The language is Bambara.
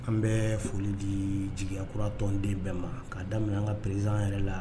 An bɛ foli di jigiya kuratɔnonden bɛɛ ma ka daminɛ an ka perezan yɛrɛ la